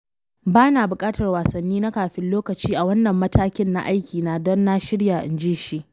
“Ba na bukatar wasanni na kafin lokaci a wannan matakin na aikina don na shirya,” inji shi.